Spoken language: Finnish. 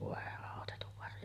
voi autetun varjele